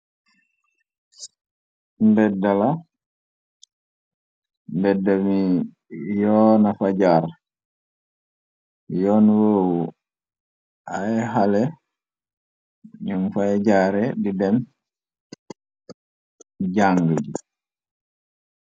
mbeddala mbedda mi yoona fa jaar yoon wëewu ay xale ñum fay jaare di dem jànge gi.